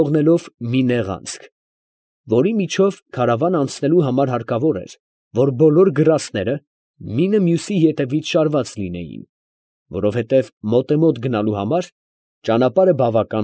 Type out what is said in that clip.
Թողնելով մի նեղ անցք, որի միջով քարավանը անցնելու համար հարկավոր էր, որ բոլոր գրաստները մինը մյուսի ետևից շարված լինեին, որովհետև մոտեմոտ գնալու համար բավական նեղ էր ճանապարհը։